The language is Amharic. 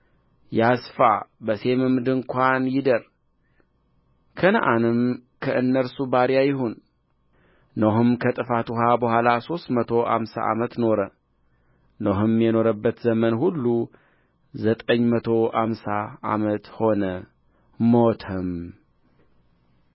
ያስፋ በሴምም ድንኳን ይደር ከነዓንም ለእነርሱ ባሪያ ይሁን ኖኅም ከጥፋት ውኃ በኋላ ሦስት መቶ አምሳ ዓመት ኖረ ኖኅም የኖረበት ዘመን ሁሉ ዘጠኝ መቶ አምሳ ዓመት ሆነ ሞተም